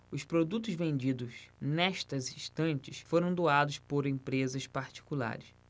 os produtos vendidos nestas estantes foram doados por empresas particulares